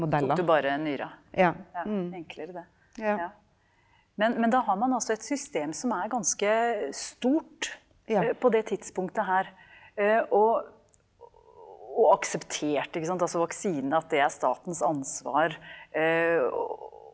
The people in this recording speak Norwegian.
så tok du bare nyra ja, enklere det ja, men men da har man altså et system som er ganske stort på det tidspunktet her og og aksepterte ikke sant altså vaksinen at det er statens ansvar .